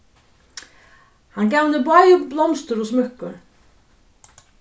hann gav henni bæði blomstur og smúkkur